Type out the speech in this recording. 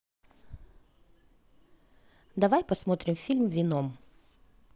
давай посмотрим фильм веном